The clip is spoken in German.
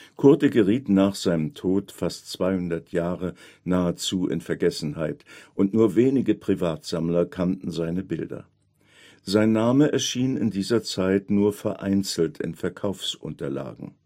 Coorte geriet nach seinem Tod fast 200 Jahre nahezu in Vergessenheit und nur wenige Privatsammler kannten seine Bilder. Sein Name erschien in dieser Zeit nur vereinzelt in Verkaufsunterlagen